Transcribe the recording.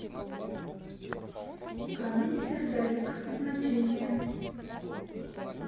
камень сердолик значение